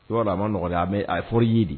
I b'a dɔn a ma nɔgɔ dɛ, a mɛ a bɛ fɔ y de